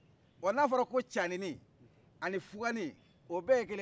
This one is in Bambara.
wa n'a fɔra ko canini ani fugani o bɛ ye kelen ye